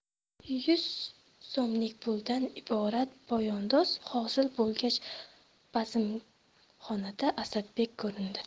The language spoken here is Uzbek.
yuz so'mlik puldan iborat poyandoz hosil bo'lgach bazmxonada asadbek ko'rindi